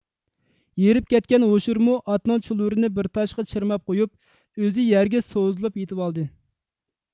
ھېرىپ كەتكەن ھوشۇرمۇ ئاتنىڭ چۇلىۋۋۇرىنى بىر تاشقا چىرماپ قويۇپ ئۆزى يەرگە سوزۇلۇپ يېتىۋالدى